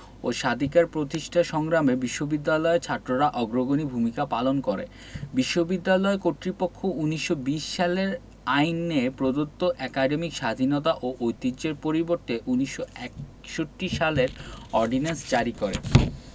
ও স্বাধিকার প্রতিষ্ঠার সংগ্রামে বিশ্ববিদ্যালয়ের ছাত্ররা অগ্রগণী ভূমিকা পালন করে বিশ্ববিদ্যালয় কর্তৃপক্ষ ১৯২০ সালের আইনে প্রদত্ত একাডেমিক স্বাধীনতা ও ঐতিহ্যের পরিবর্তে ১৯৬১ সালের অর্ডিন্যান্স জারি করে